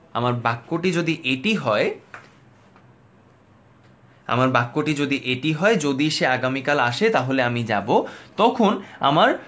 আমার বাক্যটি যদি এটি হয় আমাদের বাক্যটি যদি এটি হয় যদি সে আগামি কাল আসে তাহলে আমি যাব তখন আমার